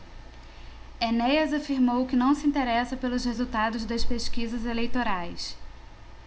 enéas afirmou que não se interessa pelos resultados das pesquisas eleitorais